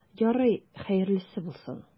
Ярый, хәерле булсын.